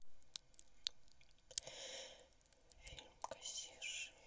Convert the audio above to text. фильм кассирши